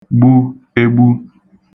gbu egbu